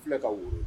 Fɛn ka wolo